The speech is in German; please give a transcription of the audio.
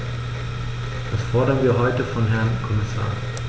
Das fordern wir heute vom Herrn Kommissar.